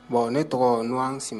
Bon ne tɔgɔ